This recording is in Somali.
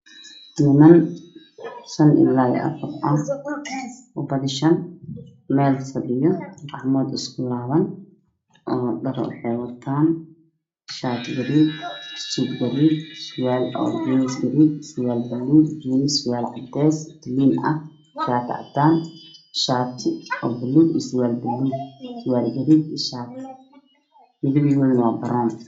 Meeshan wax joog niman shan ilaa iyo afar ah wax wataan dhar